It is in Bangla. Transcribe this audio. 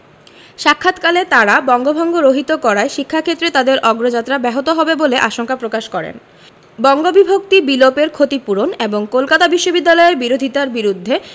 সাক্ষাৎকালে তাঁরা বঙ্গভঙ্গ রহিত করায় শিক্ষাক্ষেত্রে তাদের অগ্রযাত্রা ব্যাহত হবে বলে আশঙ্কা প্রকাশ করেন বঙ্গবিভক্তি বিলোপের ক্ষতিপূরণ এবং কলকাতা বিশ্ববিদ্যালয়ের বিরোধিতার বিরুদ্ধে